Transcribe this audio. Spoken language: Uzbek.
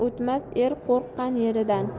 o'tmas er qo'rqqan yeridan